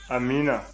amiina